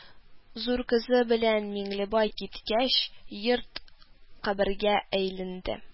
Зур кызы белән Миңлебай киткәч, йорт кабергә әйләнде